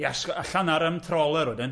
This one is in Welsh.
I asg- allan ar ym troler wedyn,